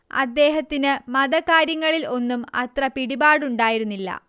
അദ്ദേഹത്തിന് മതകാര്യങ്ങളിൽ ഒന്നും അത്ര പിടിപാടുണ്ടായിരുന്നില്ല